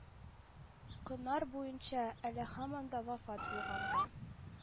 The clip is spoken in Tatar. Коннар буенча, әле һаман да вафат булганга